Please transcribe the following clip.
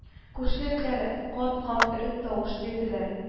Күрше этләре кат-кат өреп тавыш бирделәр